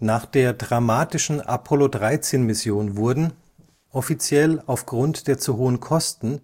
Nach der dramatischen Apollo-13-Mission wurden, offiziell auf Grund der zu hohen Kosten,